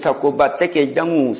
sagoba tɛgɛ ja n kun